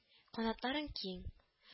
Канатларың киң